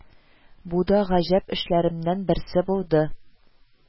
Бу да гаҗәп эшләремнән берсе булды